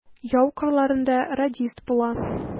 Яу кырларында радист була.